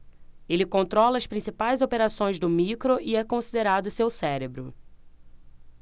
ele controla as principais operações do micro e é considerado seu cérebro